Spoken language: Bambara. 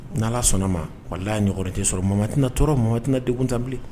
Ni Ala sɔnna a ma, walahi a ɲɔgɔnna wɛrɛ tɛna sɔrɔ mama tɛna tɔɔrɔ mama tɛna degun tan bilen